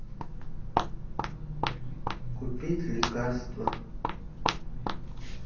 купить лекарства